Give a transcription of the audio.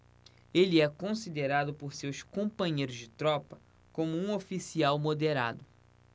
ele é considerado por seus companheiros de tropa como um oficial moderado